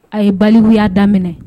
A ye baliya daminɛ